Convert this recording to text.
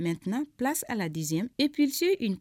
Mɛt psi a ala laze e ppze